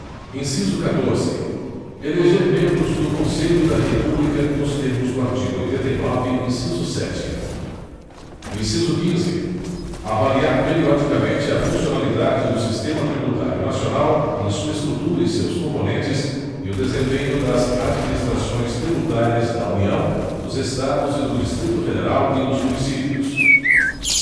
inciso quatorze eleger membros do conselho da república nos termos do artigo oitenta e nove inciso sete inciso quinze avaliar periodicamente a funcionalidade do sistema tributário nacional em sua estrutura e seus componentes e o desempenho das administrações tributárias da união dos estados e do distrito federal e dos municípios parágrafo